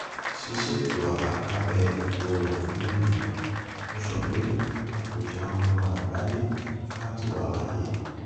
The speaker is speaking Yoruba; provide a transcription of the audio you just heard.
Ṣíṣètò àlàkalẹ̀ ipò rẹ̀ fún EU, o sọ pé: 'A kò ja ogun àgbáyé láti wà láàyè.